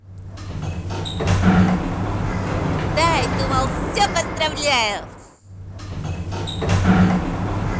дай думал все поздравляю